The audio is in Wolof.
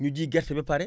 ñu ji gerte ba pare